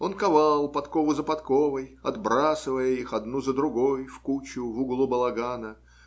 Он ковал подкову за подковой, отбрасывая их одну за другой в кучу в углу балагана